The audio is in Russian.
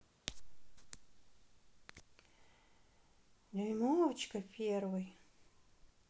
дюймовочка первый